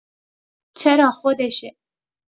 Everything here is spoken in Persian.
چرا خودشه!